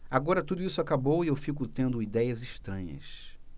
agora tudo isso acabou e eu fico tendo idéias estranhas